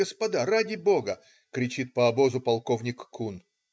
господа, ради Бога!" - кричит по обозу полковник Кун.